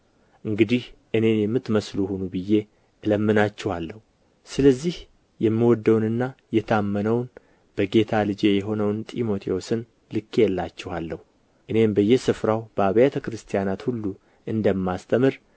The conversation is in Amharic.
እንግዲህ እኔን የምትመስሉ ሁኑ ብዬ እለምናችኋለሁ ስለዚህ የምወደውንና የታመነውን በጌታ ልጄ የሆነውን ጢሞቴዎስን ልኬላችኋለሁ እኔም በየስፍራው በአብያተ ክርስቲያናት ሁሉ እንደማስተምር